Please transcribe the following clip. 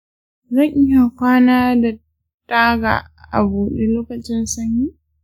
zan iya kwana da taga a bude lokacin sanyi?